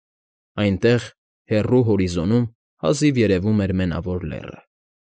Այտեղ, հեռու հորիզոնում հազիվ երևում էր Մենավոր լեռը։